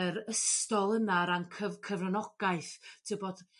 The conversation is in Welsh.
yr ystol yna o ran cyf- cyfranogaeth t'w'bod